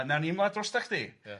yy nawn ni ymladd drosta chdi... Ia...